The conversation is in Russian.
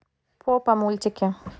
попа мультики